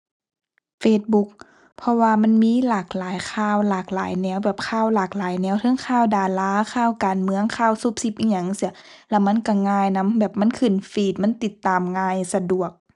Facebook เพราะว่ามันมีหลากหลายข่าว หลากหลายแนว แบบข่าวหลากหลายแนว เทิงข่าวดารา ข่าวการเมือง ข่าวซุบซิบอิหยังจั่งซี้ แล้วมันก็ง่ายนำ แบบมันขึ้นฟีด มันติดตามง่าย สะดวก